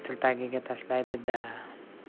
tili tagiga tashlaydi da